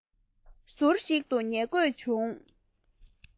ང རང ན ཟུག གིས མཛོད ཁང གི